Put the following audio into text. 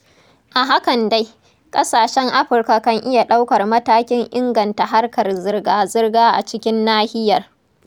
A hakan dai, ƙasashen Afirka kan iya ɗaukar matakin inganta harkar zirga-zirga a cikin nahiyar.